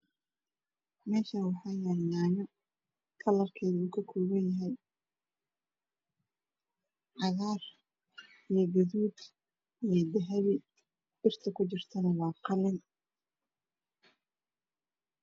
Meshan waxayalo Yan yo kalarkedu ka koban yahay Cagar iyo guduud iyo dahabi birta kujirata ne waa QAlin.